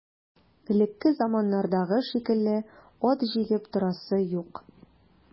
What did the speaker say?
Элекке заманнардагы шикелле ат җигеп торасы юк.